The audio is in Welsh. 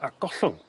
a gollwng